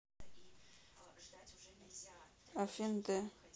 afina д